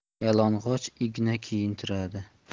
yalang'och igna kiyintiradi